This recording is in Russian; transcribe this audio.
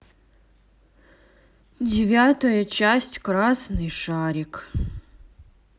девятая часть красный шарик